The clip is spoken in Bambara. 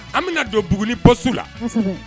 An bɛna na don bugun bɔ su la